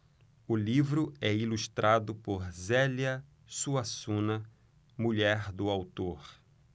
o livro é ilustrado por zélia suassuna mulher do autor